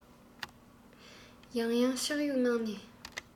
ཡང ཡང ཕྱག གཡུགས གནང ནས